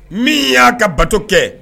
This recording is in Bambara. Min y'a ka bato kɛ